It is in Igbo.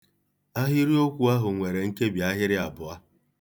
Ahịrịokwu ahụ nwere nkebiahịrị abụọ.